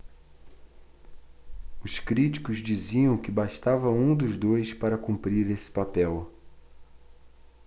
os críticos diziam que bastava um dos dois para cumprir esse papel